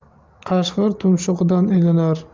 qashqir tumshug'idan ilinar